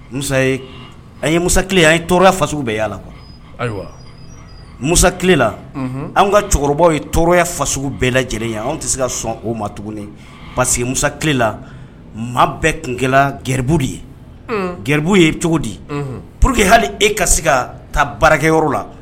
Musa an ye mule an ye tɔɔrɔya faso bɛɛ yala lakɔ ayiwa musalela anw ka cɛkɔrɔbaw ye tɔɔrɔya faso bɛɛ lajɛ lajɛlen ye anw tɛ se ka sɔn o ma tuguni pa que musa kilela maa bɛɛ tun gɛlɛ gbu de ye gbu ye cogo di po que hali e ka se ka taa baarakɛyɔrɔ la